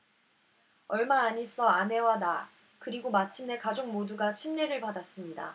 얼마 안 있어 아내와 나 그리고 마침내 가족 모두가 침례를 받았습니다